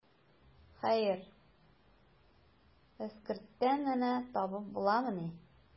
Хәер, эскерттән энә табып буламыни.